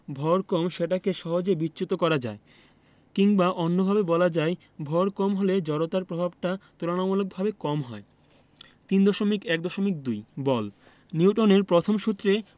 ভর কম সেটাকে সহজে বিচ্যুত করা যায় কিংবা অন্যভাবে বলা যায় ভর কম হলে জড়তার প্রভাবটা তুলনামূলকভাবে কম হয় 3.1.2 বল নিউটনের প্রথম সূত্রে